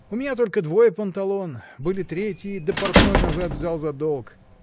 У меня только двое панталон: были третьи, да портной назад взял за долг.